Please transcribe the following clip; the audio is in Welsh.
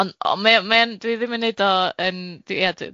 Ond- o- mae o mae o'n dwi ddim yn neud o yn d- ia